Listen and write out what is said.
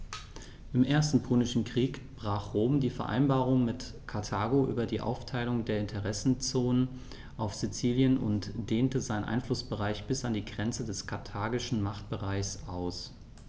Im Ersten Punischen Krieg brach Rom die Vereinbarung mit Karthago über die Aufteilung der Interessenzonen auf Sizilien und dehnte seinen Einflussbereich bis an die Grenze des karthagischen Machtbereichs aus.